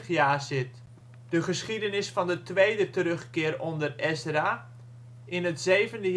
jaar zit. de geschiedenis van de tweede terugkeer onder Ezra, in het zevende